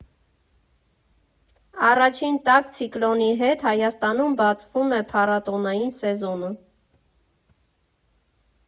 Առաջին տաք ցիկլոնի հետ Հայաստանում բացվում է փառատոնային սեզոնը։